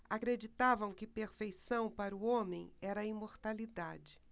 acreditavam que perfeição para o homem era a imortalidade